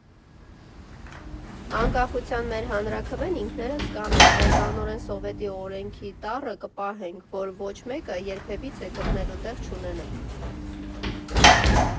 Անկախության մեր հանրաքվեն ինքներս կանենք, բայց անօրեն Սովետի օրենքի տառը կպահենք, որ ոչ մեկը երբևիցե կպնելու տեղ չունենա։